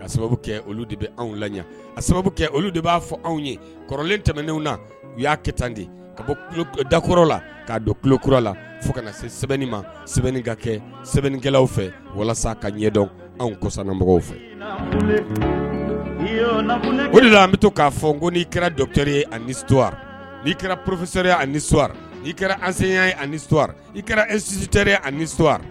Ka sababu kɛ olu de bɛ anw la ɲɛ a sababu kɛ olu de b'a fɔ anw ye kɔrɔlen tɛmɛnenw na u y'a kɛ tan de ka bɔ dakoro la k'a don kilo kura la fo ka na se sɛbɛnni ma sɛbɛnni ka kɛ sɛbɛnnikɛlaw fɛ walasa ka ɲɛda anw kɔsanmɔgɔw fɛ la an bɛ to k'a fɔ n ko n'i kɛra dɔtere ye ani suwa n'i kɛra porokisɛsɛre ani suwa i kɛra an senya ye ani suwa i kɛra ezsitere ani su